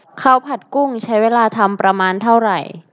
ข้าวผัดกุ้งใช้เวลาทำประมาณเท่าไหร่